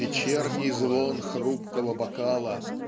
"вечерний звон хрупкого бокала"